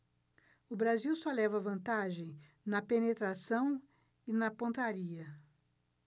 o brasil só leva vantagem na penetração e na pontaria